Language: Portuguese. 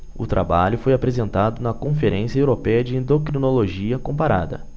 o trabalho foi apresentado na conferência européia de endocrinologia comparada